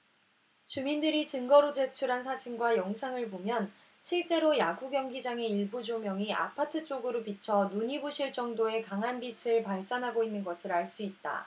주민들이 증거로 제출한 사진과 영상을 보면 실제로 야구경기장의 일부 조명이 아파트 쪽으로 비쳐 눈이 부실 정도의 강한 빛을 발산하고 있는 것을 알 수 있다